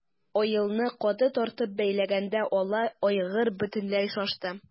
Аелны каты тартып бәйләгәндә ала айгыр бөтенләй шашты.